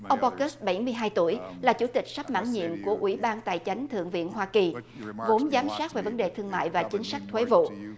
ông bo cớt bảy mươi hai tuổi là chủ tịch sắp mãn nhiệm của ủy ban tài chính thượng viện hoa kỳ vốn giám sát về vấn đề thương mại và chính sách thuế vụ